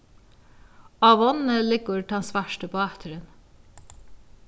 á vágni liggur tann svarti báturin